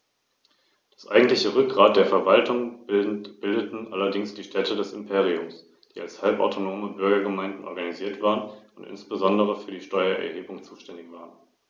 Handel, Künste und Kultur erreichten während der Zeit des Römischen Reiches, vor allem in der Kaiserzeit, in Teilen seines Gebietes eine Hochblüte, die damalige Lebensqualität und der entsprechende Bevölkerungsstand sollten in Europa und Nordafrika erst Jahrhunderte später wieder erreicht werden.